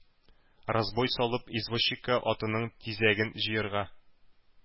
Разбой салып, извозчикка атының тизәген җыярга,